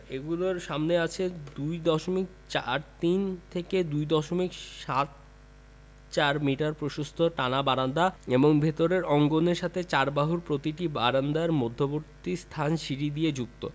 এগুলির সামনে আছে ২ দশমিক চার তিন থেকে ২ দশমিক সাত চার মিটার প্রশস্ত টানা বারান্দা এবং ভেতরের অঙ্গনের সাথে চারবাহুর প্রতিটি বারান্দার মধ্যবর্তীস্থান সিঁড়ি দিয়ে যুক্ত